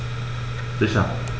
Sicher.